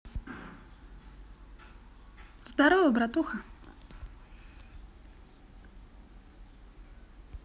здорова братуха